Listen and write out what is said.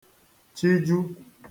chịju